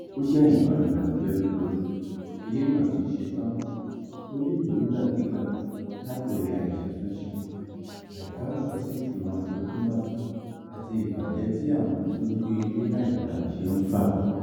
Ó jẹ́ nǹkan ìbànújẹ́ wípé ilé náà ti ṣe tán, ó lè wó nígbàkigbà látorí àìṣàtúnṣe, àìkáràmáìsìkí ohun àjogúnbá, àti ìbàjẹ́ tí àwọn tí ó gbé ilé láì gba àṣẹ ń fà.